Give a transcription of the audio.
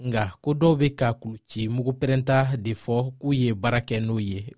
nka ko dɔw bɛ ka kuluci mugupɛrɛnta de fɔ k'u ye baara kɛ n'o ye